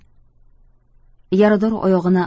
yarador oyog'ini